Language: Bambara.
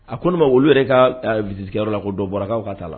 A ko ne ma olu yɛrɛ ka biyɔrɔ la ko dɔ bɔrakaw ka taaa la